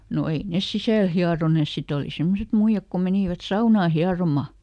no ei ne sisällä hieroneet sitten oli semmoiset muijat kun menivät saunaan hieromaan